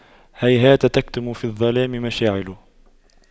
هيهات تكتم في الظلام مشاعل